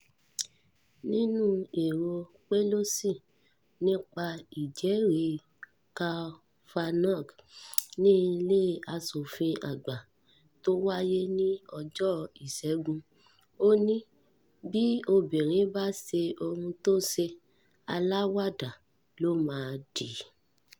Nínú èrò Pelosi nípa ìjẹ́rìí Kavanaugh ní Ilé Aṣòfin Àgbà tó wáyé ní ọjọ Ìṣẹ́gun, ó ní “Bí obìnrin bá ṣe ohun tó ṣe, ‘aláwàdà’ ló máa dì.”